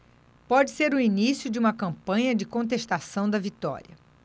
pode ser o início de uma campanha de contestação da vitória